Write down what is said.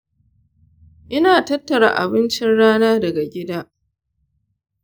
ina tattara abincin rana daga gida.